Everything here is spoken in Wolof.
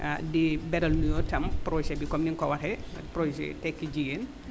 ah di beral nuyoo itam projet bi comme ni nga ko waxee